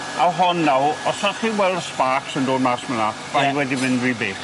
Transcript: A hon nawr, os all chi weld sparks yn dod mas man 'na... Ie. ...ma'n wedi mynd rhy bell.